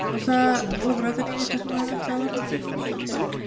Oes 'na lyfrau dan ni'n edrych ymlaen at gael yn yr hosan Nadolig?